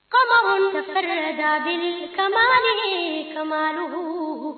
Faamakunkisɛ ja kaban jigi kumadugu